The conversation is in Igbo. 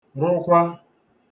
rụkwa